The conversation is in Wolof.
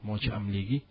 moo ci am léegi